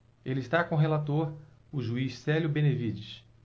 ele está com o relator o juiz célio benevides